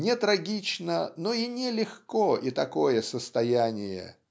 Не трагично, но и не легко и такое состояние